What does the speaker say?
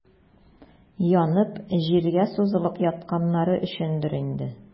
Янып, җиргә сузылып ятканнары өчендер инде.